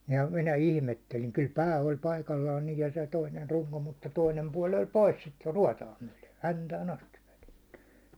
ja minä ihmettelin kyllä pää oli paikallaan niin ja se toinen runko mutta toinen puoli oli pois sitä ruotoa myöden häntään asti vedetty